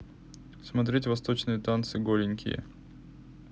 смотреть восточные танцы голенькие